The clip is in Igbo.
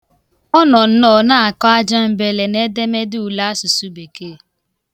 Ọ nọ nnọọ na-akọ ajambele n'edemede ule asụsụ bekee.